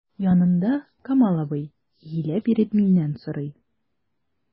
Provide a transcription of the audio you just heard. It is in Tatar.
Янымда— Камал абый, иелә биреп миннән сорый.